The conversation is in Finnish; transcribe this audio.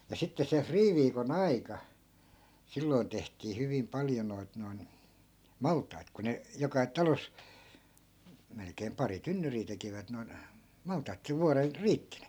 ja sitten se friiviikon aika silloin tehtiin hyvin paljon noita noin maltaita kun ne joka talossa melkein pari tynnyriä tekivät noin maltaita että se vuoden riitti niin